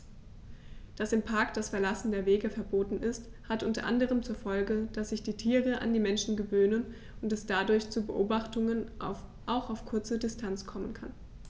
Dass im Park das Verlassen der Wege verboten ist, hat unter anderem zur Folge, dass sich die Tiere an die Menschen gewöhnen und es dadurch zu Beobachtungen auch auf kurze Distanz kommen kann.